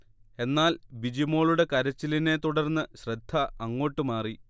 എന്നാൽ ബിജി മോളുടെ കരച്ചിലിനെ തുടർന്ന് ശ്രദ്ധ അങ്ങോട്ട് മാറി